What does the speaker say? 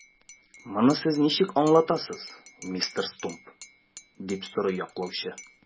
Моны сез ничек аңлатасыз, мистер Стумп? - дип сорый яклаучы.